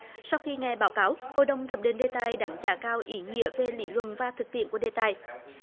sau khi nghe báo cáo hội đồng thẩm định đề tài đánh giá cao ý nghĩa về lý luận và thực tiễn của đề tài